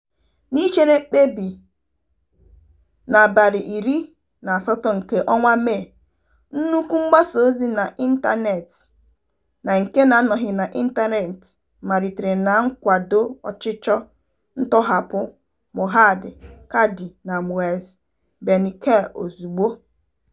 N'ichere mkpebi na Mee 18, nnukwu mgbasaozi n'ịntanetị na nke na-anọghị n'ịntanetị malitere na nkwado ọchịchọ ntọhapụ Mohand Kadi na Moez Benncir ozugbo.